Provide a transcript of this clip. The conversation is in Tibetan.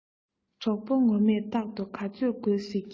གྲོགས པོ ངོ མས རྟག དུ ག ཚོད དགོས ཟེར གྱི ཡོད